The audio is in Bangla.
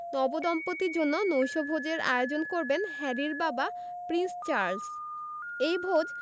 নবদম্পতির জন্য নৈশভোজের আয়োজন করবেন হ্যারির বাবা প্রিন্স চার্লস এই ভোজ